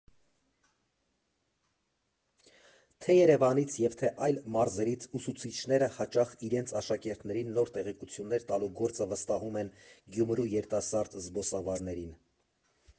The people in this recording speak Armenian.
Թե՛ Երևանից և թե՛ այլ մարզերից ուսուցիչները հաճախ իրենց աշակերտներին նոր տեղեկություններ տալու գործը վստահում են Գյումրու երիտասարդ զբոսավարներին։